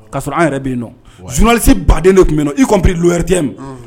K'a sɔrɔ an yɛrɛ bɛ yen nɔ journaliste baden de tun bɛ yen nɔ y compris l'ORTM